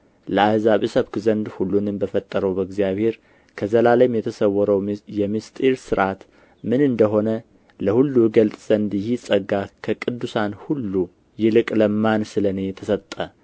ለአሕዛብ እሰብክ ዘንድ ሁሉንም በፈጠረው በእግዚአብሔር ከዘላለም የተሰወረው የምሥጢር ሥርዓት ምን እንደሆነ ለሁሉ እገልጥ ዘንድ ይህ ጸጋ ከቅዱሳን ሁሉ ይልቅ ለማንስ ለኔ ተሰጠ